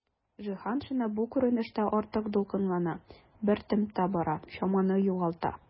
Җиһаншина бу күренештә артык дулкынлана, бер темпта бара, чаманы югалта.